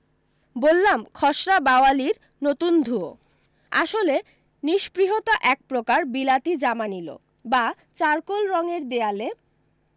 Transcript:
বললাম খসড়া বাওয়ালীর নতুন ধুয়ো আসলে নিষপৃহতা এক প্রকার বিলাতি জামা নিল বা চারকোল রঙের দেওয়ালে